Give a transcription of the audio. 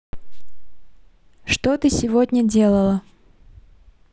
что ты сегодня делала